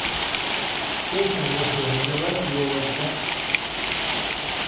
песня в лесу родилась елочка